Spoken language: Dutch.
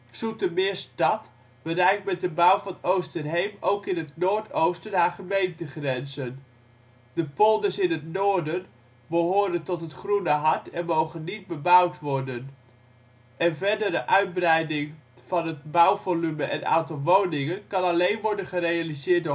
Zoetermeer stad bereikt met de bouw van Oosterheem ook in het noordoosten haar gemeentegrenzen. De polders in het noorden behoren tot het Groene Hart en mogen niet bebouwd worden. Een verder uitbreiding van het bouwvolume en aantal woningen kan alleen worden gerealiseerd